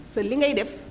sa li ngay def